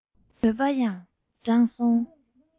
གྲོད པ ཡང འགྲངས སོང